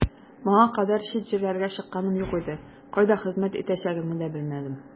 Моңа кадәр чит җирләргә чыкканым юк иде, кайда хезмәт итәчәгемне дә белмәдем.